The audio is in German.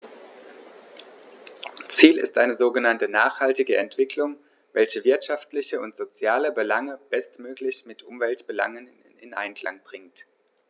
Ziel ist eine sogenannte nachhaltige Entwicklung, welche wirtschaftliche und soziale Belange bestmöglich mit Umweltbelangen in Einklang bringt.